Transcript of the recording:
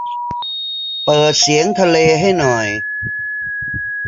เปิดเสียงทะเลให้หน่อย